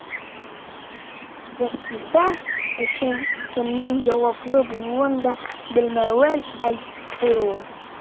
Сәхифә өчен кемнең җаваплы булуын да белмәвен әйтте ул.